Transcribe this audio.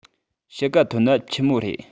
དཔྱིད ཀ ཐོན ན ཆི མོ རེད